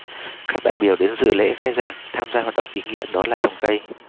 các đại biểu đến dự lễ khai giảng tham gia hoạt động ý nghĩa đó là trồng cây